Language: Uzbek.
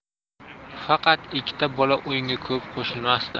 faqat ikkita bola o'yinga ko'p qo'shilmasdi